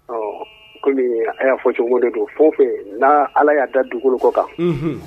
Ɔ ko a y'a fɔ cogo de don fo fɛ yen n' ala y'a da dugukolo kɔ kan